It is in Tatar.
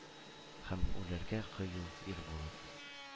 Ьәм үләргә кыю ир булып.